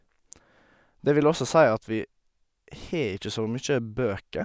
Det vil også si at vi har ikke så mye bøker.